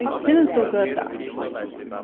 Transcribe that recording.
tildugøta